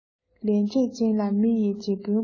ལས འབྲས ཅན ལ མི ཡིས རྗེ དཔོན བསྐོས